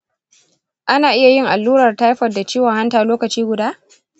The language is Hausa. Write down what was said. ana iya yin allurar taifod da ciwon hanta lokaci guda?